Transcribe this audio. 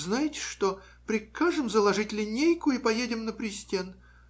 Знаете что: прикажем заложить линейку и поедем на пристен.